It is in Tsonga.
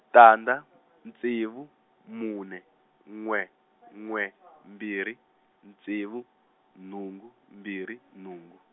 tandza ntsevu mune n'we n'we mbirhi ntsevu nhungu mbirhi nhungu.